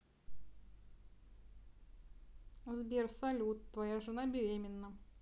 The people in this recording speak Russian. сбер салют твоя жена беременна